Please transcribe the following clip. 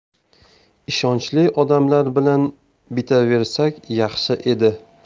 ishonchli odamlar bilan bitiraversak yaxshi edi